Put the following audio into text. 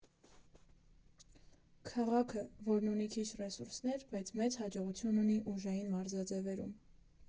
Քաղաքը, որն ունի քիչ ռեսուրսներ, բայց հաջողություն ունի ուժային մարզաձևերում.